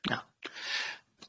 Na.